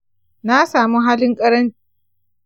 na samu halin ƙarancin suga makon da ya gabata.